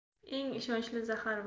eng ishonchli zahar vaqt